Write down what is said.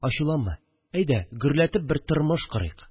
Ачуланма, әйдә гөрләшеп бер тормыш корыйк